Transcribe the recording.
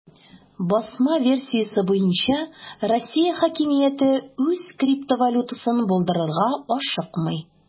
Басма версиясе буенча, Россия хакимияте үз криптовалютасын булдырырга ашыкмый.